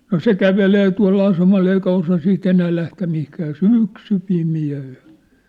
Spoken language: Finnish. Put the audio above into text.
no se kävelee tuolla asemalla eikä osaa siitä enää lähteä mihinkään ja syksy pimeä oli